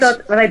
...dod ma' raid